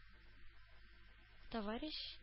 Товарищ